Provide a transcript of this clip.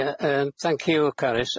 Ie yym thank you Carys.